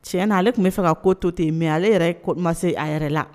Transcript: Tiɲɛ na ale tun bɛ fɛ ka ko to ten mɛ ale yɛrɛ ye koma se a yɛrɛ la